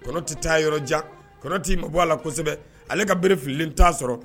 Kɔnɔ tɛ taa yɔrɔ jan kɔnɔ tɛi ma bɔ a la kosɛbɛ ale ka bere fililen t' sɔrɔ